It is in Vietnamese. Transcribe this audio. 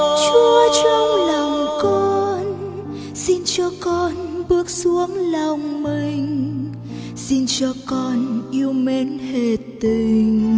chúa trong lòng con xin cho con bước xuống lòng mình xin cho con yêu mến hết tình